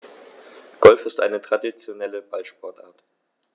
Golf ist eine traditionelle Ballsportart.